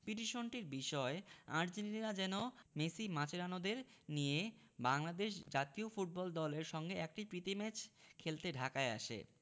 পিটিশনটির বিষয় আর্জেন্টিনা যেন মেসি মাচেরানোদের নিয়ে বাংলাদেশ জাতীয় ফুটবল দলের সঙ্গে একটা প্রীতি ম্যাচ খেলতে ঢাকায় আসে